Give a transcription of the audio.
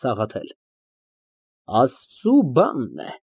ՍԱՂԱԹԵԼ ֊ Աստծու բանն է։